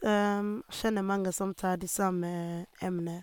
Kjenner mange som tar de samme emner.